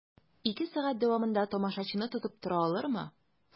Ике сәгать дәвамында тамашачыны тотып тора алырмы?